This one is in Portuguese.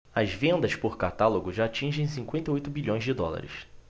as vendas por catálogo já atingem cinquenta e oito bilhões de dólares